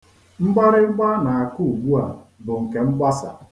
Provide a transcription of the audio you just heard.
Mgbarịmgba a na-akụ ugbua bụ nke mgbasa